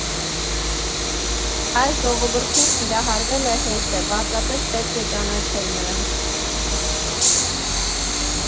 Այս ժողովրդին սիրահարվելը հեշտ է, պարզապես պետք է ճանաչել նրանց։